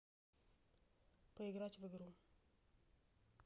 поиграть в игру